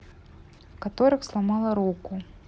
в которых сломала руку